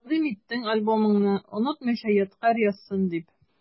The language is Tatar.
Тәкъдим иттең альбомыңны, онытмыйча ядкарь язсын дип.